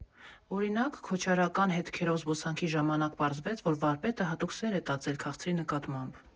Օրինակ, քոչարական հետքերով զբոսանքի ժամանակ պարզվեց, որ վարպետը հատուկ սեր է տածել քաղցրի նկատմամբ։